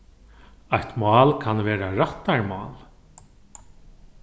eitt mál kann vera rættarmál